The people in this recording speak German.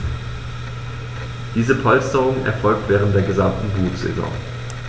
Diese Polsterung erfolgt während der gesamten Brutsaison.